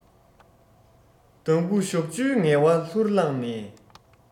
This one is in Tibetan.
ཟླ དགུ ཞག བཅུའི ངལ བ ལྷུར བླངས ནས